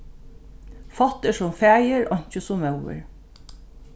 fátt er sum faðir einki sum móðir